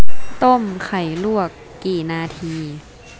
ต้มไข่ลวกกี่นาที